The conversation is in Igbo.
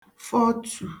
fọtù